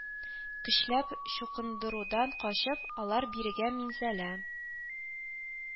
Көчләп чукындырудан качып, алар бирегә Минзәлә